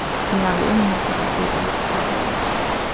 eg havi umhugsað at flyta til fuglafjarðar